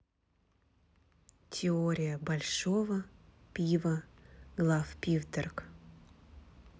теория большого пива главпивторг